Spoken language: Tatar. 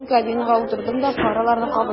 Мин кабинага утырдым да фараларны кабыздым.